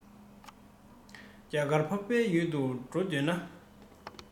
རྒྱ གར འཕགས པའི ཡུལ དུ འགྲོ འདོད ན